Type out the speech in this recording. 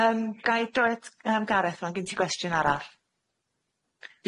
Yym gai droi at yym Gareth ŵan gen ti gwestiwn arall?